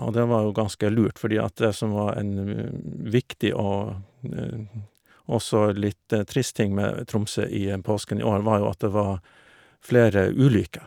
Og det var jo ganske lurt, fordi at det som var en viktig og også litt trist ting med Tromsø i påsken i år var jo at det var flere ulykker.